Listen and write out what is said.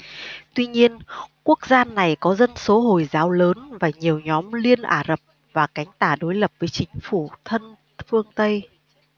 tuy nhiên quốc gia này có dân số hồi giáo lớn và nhiều nhóm liên ả rập và cánh tả đối lập với chính phủ thân phương tây